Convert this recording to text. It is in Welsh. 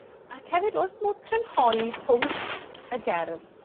Ac hefyd o's modd crynhoi pwnc y gerdd